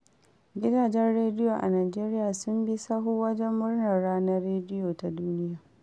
Gidajen rediyo a Nijeriya sun bi sahu wajen murnar ranar rediyo ta duniya.